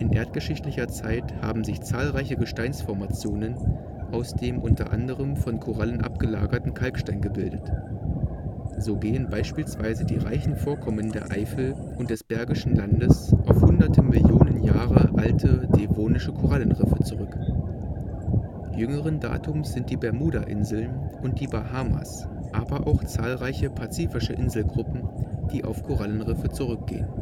erdgeschichtlicher Zeit haben sich zahlreiche Gesteinsformationen aus dem unter anderem von Korallen abgelagerten Kalkstein gebildet: So gehen beispielsweise die reichen Vorkommen der Eifel und des Bergischen Landes auf Hunderte Millionen Jahre alte devonische Korallenriffe zurück. Jüngeren Datums sind die Bermuda-Inseln und die Bahamas, aber auch zahlreiche pazifische Inselgruppen, die auf Korallenriffe zurückgehen